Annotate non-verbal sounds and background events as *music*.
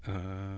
*hesitation* *hesitation* *hesitation*